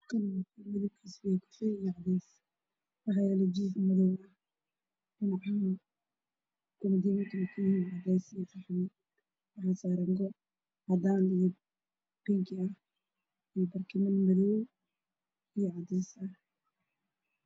Waa sariir waxaa saaran joodari maracdaan ah laba kun ee geesaha ka taagno